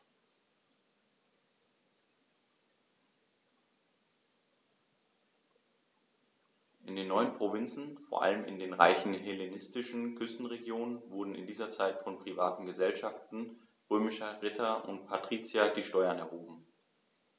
In den neuen Provinzen, vor allem in den reichen hellenistischen Küstenregionen, wurden in dieser Zeit von privaten „Gesellschaften“ römischer Ritter und Patrizier die Steuern erhoben.